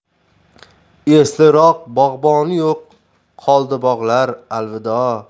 esliroq bog'boni yo'q qoldi bog'lar alvido